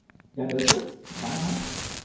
dạ được chứ thoải mái